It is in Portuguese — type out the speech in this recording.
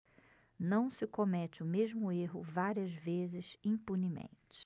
não se comete o mesmo erro várias vezes impunemente